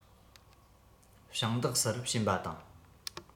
ཞིང བདག སར ཕྱིན པ དང